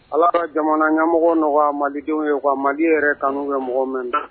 Ala ka jamana ɲɛmɔgɔw nɔgɔya malidenw ye quoi Mali yɛrɛ kanu bɛ mɔgɔ min na